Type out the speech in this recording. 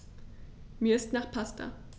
Mir ist nach Pasta.